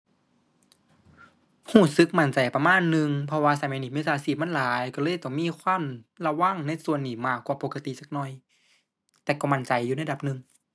รู้สึกมั่นใจประมาณหนึ่ง เพราะว่าสมัยนี้มิจฉาชีพมันหลาย รู้เลยต้องมีความระวังในส่วนนี้มากกว่าปกติสักหน่อย แต่ก็มั่นใจอยู่ในระดับหนึ่ง